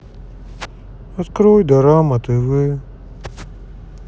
открой дорама тв